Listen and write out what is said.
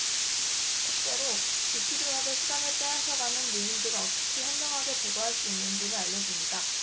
첫째로 불필요하게 시간을 빼앗아 가는 요인들을 어떻게 현명하게 제거할 수 있는지를 알려 줍니다